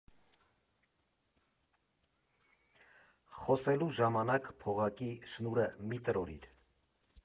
Խոսելու ժամանակ փողակի շնուրը մի՛ տրորիր։